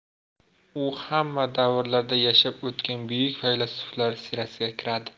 u hamma davrlarda yashab o'tgan buyuk faylasuflar sirasiga kiradi